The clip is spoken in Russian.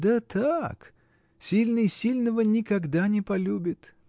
— Да так: сильный сильного никогда не полюбит